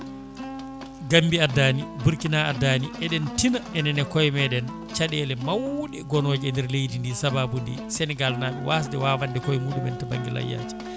Gambie addani Burkina addani eɗen tiina enen e kooye meɗen caɗele mawɗe goonoje e nder leydi ni sababude Sénégal naaɓe wasde wawande kooye muɗumen to banggue layyaji